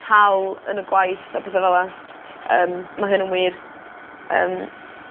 tal yn y gwaith a petha fel 'a yym ma' hyn yn wir yym.